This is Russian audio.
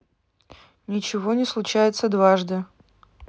ничего не случается дважды